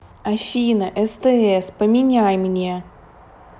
афина стс поменяй мне